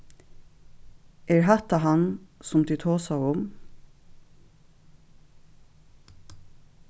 er hatta hann sum tit tosaðu um